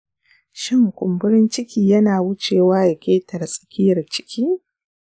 shin kumburin ciki yana wucewa ya ƙetare tsakiyar ciki?